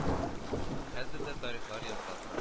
Хәзер дә тарихлар языла тора